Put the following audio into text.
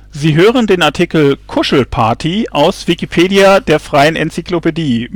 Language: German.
Sie hören den Artikel Kuschelparty, aus Wikipedia, der freien Enzyklopädie